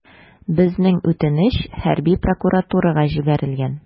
Безнең үтенеч хәрби прокуратурага җибәрелгән.